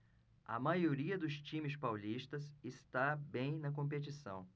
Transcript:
a maioria dos times paulistas está bem na competição